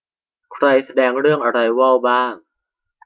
ใครแสดงเรื่องอะไรวอลบ้าง